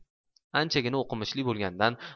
anchagina o'qimishli bo'lganidan